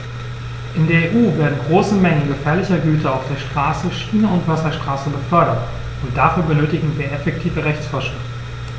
In der EU werden große Mengen gefährlicher Güter auf der Straße, Schiene und Wasserstraße befördert, und dafür benötigen wir effektive Rechtsvorschriften.